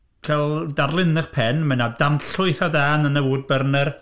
Cael darlun yn eich pen, mae 'na danllwyth a dân yn y woodburner.